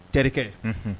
Terikɛkɛ